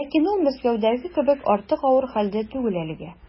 Ләкин ул Мәскәүдәге кебек артык авыр хәлдә түгел әлегә.